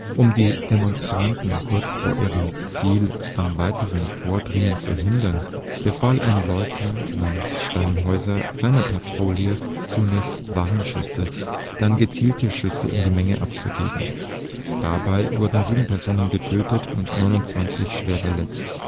Um die Demonstranten kurz vor ihrem Ziel am weiteren Vordringen zu hindern, befahl ein Leutnant namens Steinhäuser seiner Patrouille, zunächst Warnschüsse, dann gezielte Schüsse in die Menge abzugeben. Dabei wurden sieben Personen getötet und 29 schwer verletzt